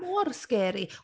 Mor scary!